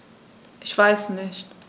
Ich weiß nicht.